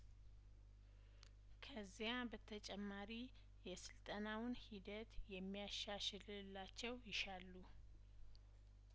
ከዚያ በተጨማሪ የስልጠናውን ሂደት የሚያሻሽልላቸው ይሻሉ